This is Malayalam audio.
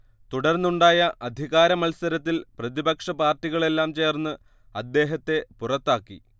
തുടർന്നുണ്ടായ അധികാരമത്സരത്തിൽ പ്രതിപക്ഷ പാർട്ടികളെല്ലാം ചേർന്ന് അദ്ദേഹത്തെ പുറത്താക്കി